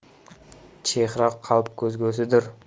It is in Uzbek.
chehra qalb ko'zgusidir